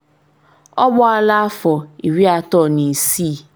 Ọ gbaala afọ 36.